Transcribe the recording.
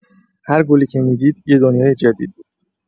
هر گلی که می‌دید، یه دنیای جدید بود.